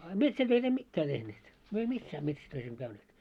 a metsätöitä emme mitään tehneet me ei missään metsätöissä emme käyneet